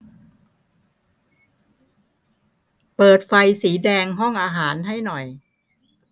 เปิดไฟสีแดงห้องอาหารให้หน่อย